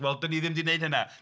Wel, dan ni ddim 'di wneud hynna.